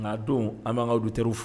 Nka don an b'an ka du terirw furu